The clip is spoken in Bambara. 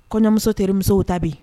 Kɔɲɔmuso terimusow ta be yen.